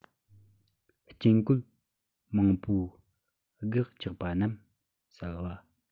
རྐྱེན གོད མང པོའི གེགས ཆགས པ རྣམས བསལ བ